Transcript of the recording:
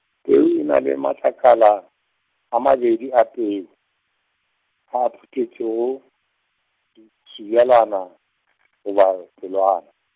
peu e na le matlakala, a mabedi a peu, a a phuthetšego , sebjalwana , goba pelwana.